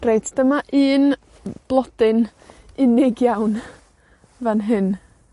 Reit, dyma un blodyn unig iawn fan hyn.